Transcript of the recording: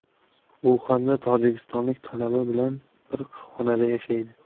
uxanda tojikistonlik talaba bilan bir xonada yashaydi